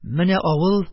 Менә авыл,